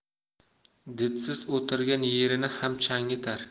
didsiz o'tirgan yerini ham changitar